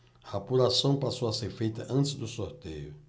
a apuração passou a ser feita antes do sorteio